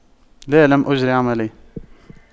لا لم أجر عملية